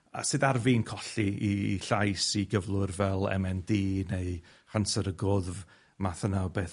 a- sydd ar fin colli 'i 'i llais i gyflwr fel em en dee, neu chanser y gwddf, math yna o beth.